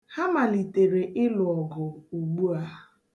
Ha malitere ịlụ ọgụ ugbua.